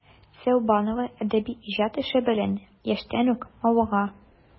Сәүбанова әдәби иҗат эше белән яшьтән үк мавыга.